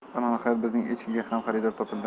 ana nihoyat bizning echkiga ham xaridor topildi